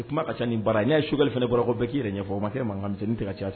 I kuma ka ca ni bara n' ye sukali fana bɔra bɛɛ k' yɛrɛ ɲɛ ɲɛfɔ o ma se mankan ka nin tɛ tɛ ka caya